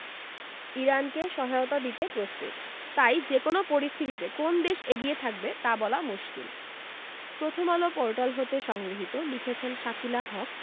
ইরানকে সহায়তা দিতে প্রস্তুত তাই যেকোনো পরিস্থিতিতে কোন দেশ এগিয়ে থাকবে তা বলা মুশকিল প্রথমআলো পোর্টাল হতে সংগৃহীত লিখেছেন শাকিলা হক